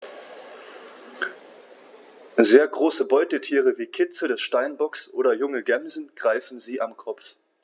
Sehr große Beutetiere wie Kitze des Steinbocks oder junge Gämsen greifen sie am Kopf.